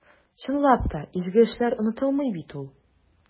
Чынлап та, изге эшләр онытылмый бит ул.